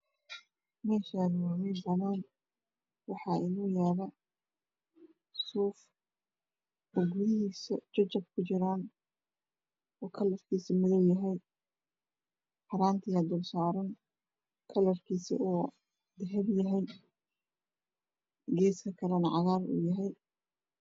Meshaani waa meel banan Waxaa inoo yala suuf oo gudihiisa jajap ku jiraan oo kalrkiisu madow yahay farantiyaa dulsaran kalarkiiso dahpi yahay geeska kalene cagaar yahay